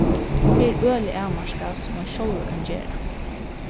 tað er øgiliga avmarkað sum ein sjálvur kann gera